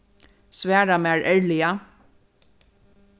svara mær erliga